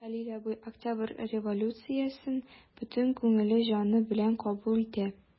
Хәлил абый Октябрь революциясен бөтен күңеле, җаны белән кабул итә.